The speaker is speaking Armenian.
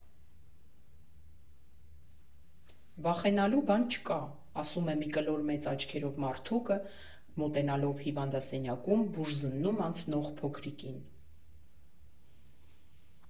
«Վախենալու բան չկա»,֊ ասում է կլոր մեծ աչքերով մարդուկը՝ մոտենալով հիվանդասենյակում բուժզննում անցնող փոքրիկին։